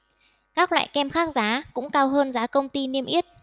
các loại kem khác giá cũng cao hơn giá công ty niêm yết